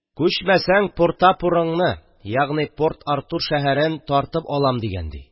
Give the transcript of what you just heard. Күчмәсәң, Порта-Пурыңны, ягъни Порт-Артур шәһәрен тартып алам дигән, ди.